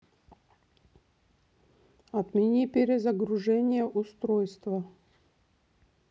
отмени перезагружение устройства